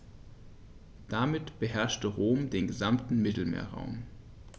Damit beherrschte Rom den gesamten Mittelmeerraum.